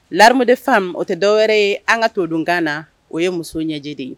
La defa o tɛ dɔwɛrɛ ye an ka to donkan na o ye muso ɲɛe de ye